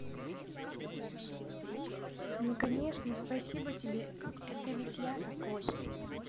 ну конечно спасибо тебе это ведь я такой